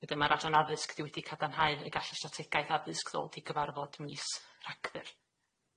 Wedyn ma'r adran addysg ydi wedi cadarnhau y gall y strategaeth addysg ddod i gyfarfod mis Rhagfyr.